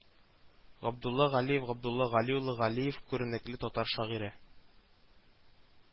Габдулла Галиев Габдулла Гали улы Галиев күренекле татар шагыйре